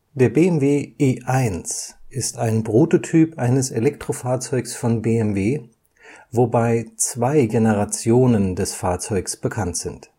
BMW E1 ist ein Prototyp eines Elektrofahrzeugs von BMW, wobei zwei Generationen des Fahrzeugs bekannt sind